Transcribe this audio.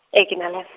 e ke na le- .